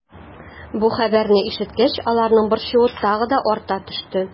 Бу хәбәрне ишеткәч, аларның борчуы тагы да арта төште.